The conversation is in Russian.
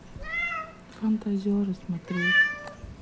фантазеры смотреть